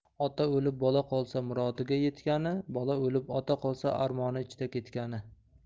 ota o'lib bola qolsa murodiga yetgani bola o'lib ota qolsa armoni ichda ketgani